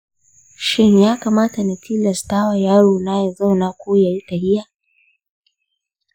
shin ya kamata na tilasta wa yarona ya zauna ko ya yi tafiya?